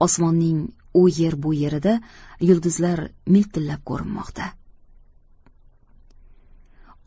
osmonning u yer bu yerida yulduzlar miltillab ko'rinmoqda